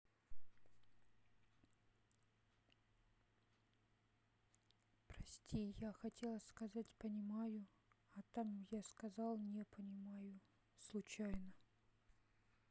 прости я хотела сказать понимаю а там я сказал не понимаю случайно